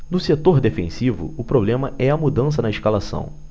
no setor defensivo o problema é a mudança na escalação